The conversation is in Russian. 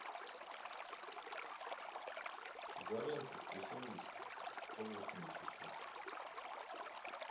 изолента сто семьдесят сто восемьдесят шесть